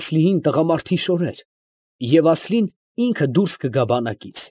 Ասլիին տղամարդի շորեր, և Ասլին ինքը դուրս կգա բանակից։